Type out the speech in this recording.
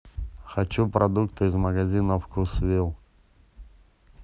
хочу продукты из магазина вкусвилл